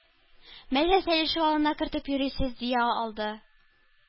Мәдрәсә ишек алдына кертеп йөрисез? дия алды.